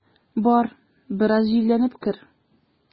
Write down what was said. Бар, бераз җилләнеп кер.